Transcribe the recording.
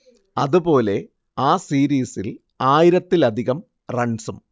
അതുപോലെ ആ സീരീസിൽ ആയിരത്തിലധികം റൺസും